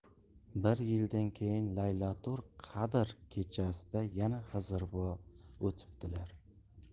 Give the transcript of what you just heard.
bir yildan keyin laylatulqadr kechasida yana xizr buva o'tibdilar